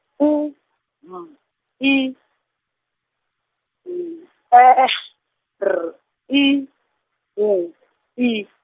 P M I N E E R I W I.